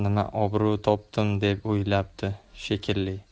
nima obro' topdim deb o'yladi shekilli